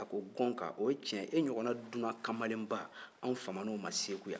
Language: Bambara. a ko gɔnka o ye tiɲɛ ye e ɲɔgɔn na dunan kamalenba anw fama n'o ma segu yan